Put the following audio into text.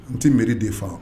N tɛ m de faga